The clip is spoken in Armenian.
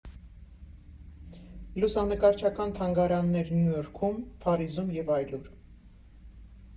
Լուսանկարչական թանգարաններ Նյու Յորքում, Փարիզում և այլուր։